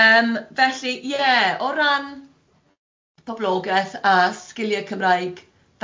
Yym felly ie, o ran poblogeth a sgiliau Cymraeg, falle